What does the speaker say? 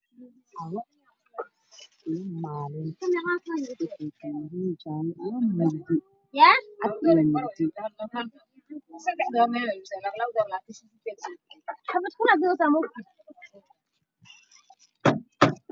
Waxaa ii muuqda xayeysiin waxay ka kooban tahay madow yaalla waa ka kooban tahay background waa caddaanwaa caddaan